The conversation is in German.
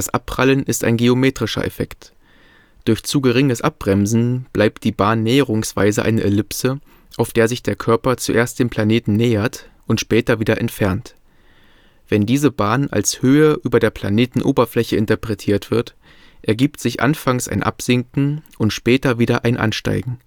Abprallen “ist ein geometrischer Effekt: Durch zu geringes Abbremsen bleibt die Bahn näherungsweise eine Ellipse, auf der sich der Körper zuerst dem Planeten nähert und später wieder entfernt. Wenn diese Bahn als Höhe über der Planetenoberfläche interpretiert wird, ergibt sich anfangs ein Absinken und später wieder ein Ansteigen